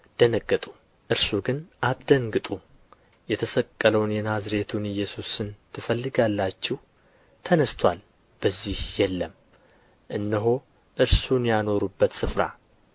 ደነገጡ እርሱ ግን አትደንግጡ የተሰቀለውን የናዝሬቱን ኢየሱስን ትፈልጋላችሁ ተነሥቶአል በዚህ የለም እነሆ እርሱን ያኖሩበት ስፍራ